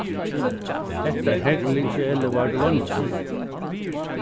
hetta heglingsælið vardi leingi